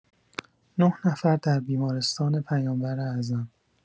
۹ نفر در بیمارستان پیامبر اعظم